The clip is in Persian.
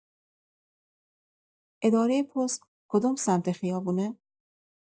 ادارۀ پست کدوم سمت خیابونه؟